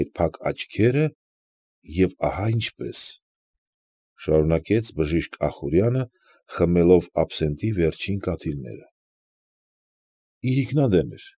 Այդ փակ աչքերը, և ահա ինչպես, ֊ շարունակեց բժիշկ Ախուրյանը, խմելով աբսենտի վերջին կաթիլները։ ֊ Իրիկնադեմ էր։